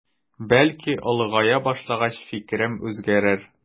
Бәлки олыгая башлагач фикерем үзгәрер.